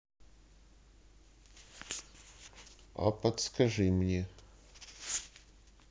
а подскажи мне